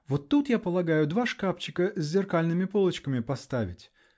Вот тут, я полагаю, два шкапчика с зеркальными полочками поставить.